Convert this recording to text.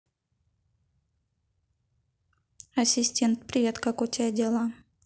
ассистент привет как у тебя дела